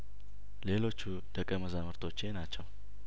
ሌሎቹ ደቀ መዛሙርቶቼ ናቸው